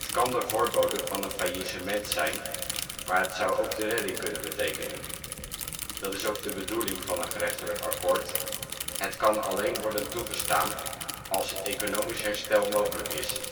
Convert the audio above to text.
kan de voorbode van een faillissement zijn, maar het zou ook de redding kunnen betekenen. Dat is ook de bedoeling van een gerechtelijk akkoord; het kan alleen worden toegestaan als het economisch herstel mogelijk is